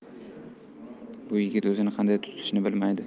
bu yigit o'zini qanday tutishni bilmaydi